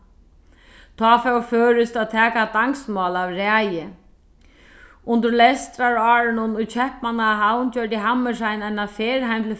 tá fór føroyskt at taka danskt mál av ræði undir lestrarárunum í keypmannahavn gjørdi hammershaimb eina ferð heim til